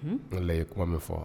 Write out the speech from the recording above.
N la ye kuma bɛ fɔ